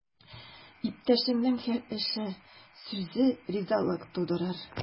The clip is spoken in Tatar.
Иптәшеңнең һәр эше, сүзе ризалык тудырыр.